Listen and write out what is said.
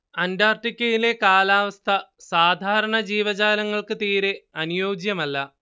അന്റാർട്ടിക്കയിലെ കാലാവസ്ഥ സാധാരണ ജീവജാലങ്ങൾക്ക് തീരെ അനുയോജ്യമല്ല